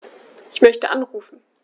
Ich möchte anrufen.